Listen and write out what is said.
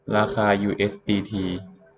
ราคายูเอสดีที